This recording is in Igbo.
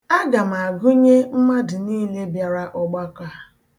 A ga-agụnye mmadụ niile bịara ọgbakọ ahụ.